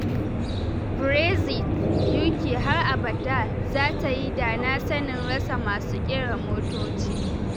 Brexit: UK ‘har abada zata yi da na sanin’ rasa masu kera motoci